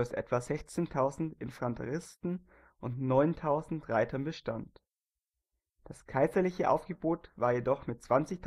etwa 16.000 Infanteristen und 9.000 Reitern bestand. Das kaiserliche Aufgebot war jedoch mit 20.000